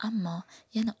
ammo yana